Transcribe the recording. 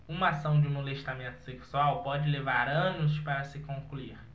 uma ação de molestamento sexual pode levar anos para se concluir